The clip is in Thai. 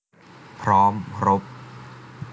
พร้อมรบ